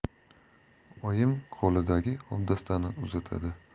oyim qo'lidagi obdastani uzatadi